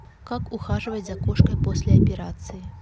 как ухаживать за кошкой после операции